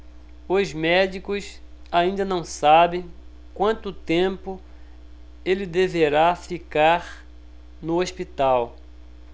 os médicos ainda não sabem quanto tempo ele deverá ficar no hospital